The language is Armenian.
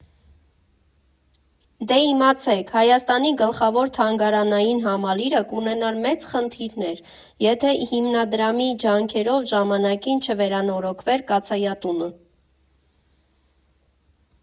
Դե իմացեք՝ Հայաստանի գլխավոր թանգարանային համալիրը կունենար մեծ խնդիրներ, եթե հիմնադրամի ջանքերով ժամանակին չվերանորոգվեր կաթսայատունը։